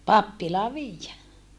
pappilaan viedä